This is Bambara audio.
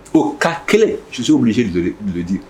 O ka kelen sosow bilisi dudi